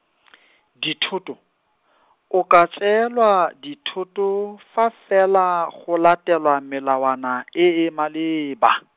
dithoto , o ka tseelwa dithoto fa fela go latelwa melawana e e maleba.